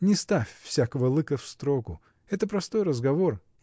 не ставь всякого лыка в строку. Это простой разговор.